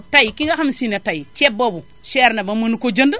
tay ki nga xam si ne tay ceeb boobu cher na ba mënu ko jënd